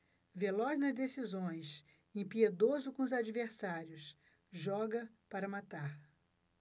veloz nas decisões impiedoso com os adversários joga para matar